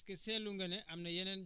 gannaaw pexe yooyu